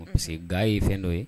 Parce que ga ye fɛn dɔ ye